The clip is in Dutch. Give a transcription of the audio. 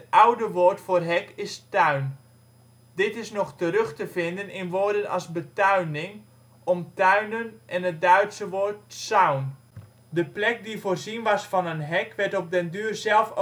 oude woord voor hek is tuin. Dit is nog terug te vinden in woorden als betuining, omtuinen en het Duitse woord Zaun. De plek die voorzien was van een hek werd op den duur zelf